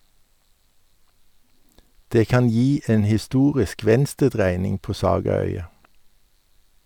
Det kan gi en historisk venstredreining på sagaøya.